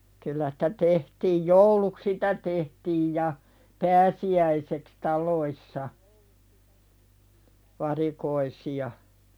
kyllä sitä tehtiin jouluksi sitä tehtiin ja pääsiäiseksi taloissa varikoisia